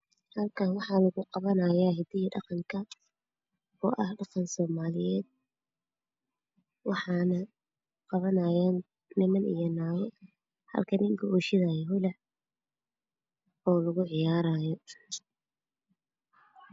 Halkan waxaa ku hidiyo dhaqanta niman naago holac lagu ciyaarto